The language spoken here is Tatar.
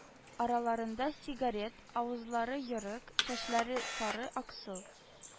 Араларында сигарет, авызлары ерык, чәчләре сары-аксыл,